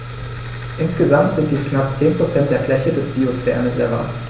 Insgesamt sind dies knapp 10 % der Fläche des Biosphärenreservates.